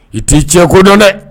I t'i cɛn kodɔn dɛ